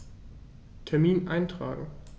Termin eintragen